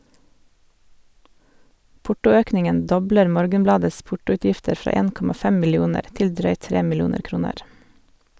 Portoøkningen dobler Morgenbladets portoutgifter fra 1,5 millioner til drøyt tre millioner kroner.